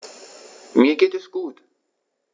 Mir geht es gut.